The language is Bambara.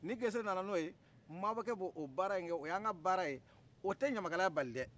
ni gese nana n'o ye mabɔkɛ b'o baara in kɛ o yan ka baara ye o tɛ ɲamakalaya bali dɛ